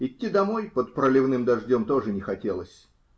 Идти домой под проливным дождем тоже не хотелось.